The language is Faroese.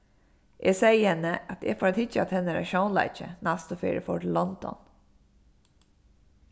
eg segði henni at eg fór at hyggja at hennara sjónleiki næstu ferð eg fór til london